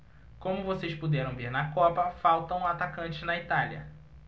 como vocês puderam ver na copa faltam atacantes na itália